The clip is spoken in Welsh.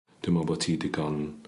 Dwi'me'wl bo' ti digon